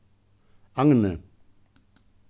agnið